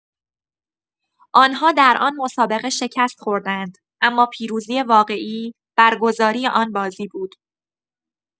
آنها در آن مسابقه شکست خوردند، اما پیروزی واقعی، برگزاری آن بازی بود.